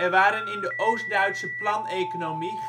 waren in de Oost-Duitse planeconomie